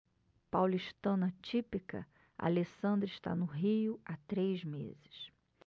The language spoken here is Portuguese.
paulistana típica alessandra está no rio há três meses